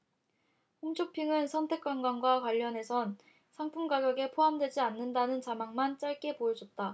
홈쇼핑은 선택관광과 관련해선 상품 가격에 포함되지 않았다는 자막만 짧게 보여줬다